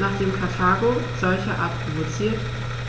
Nachdem Karthago, solcherart provoziert,